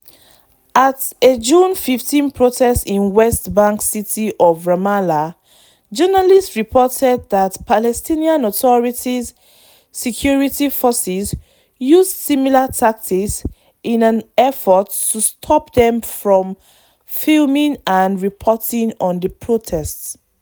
At a June 15 protest in the West Bank city of Ramallah, journalists reported that Palestinian Authority security forces used similar tactics in an effort to stop them from filming and reporting on the protest.